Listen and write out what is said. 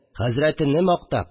Хәзрәтене мактап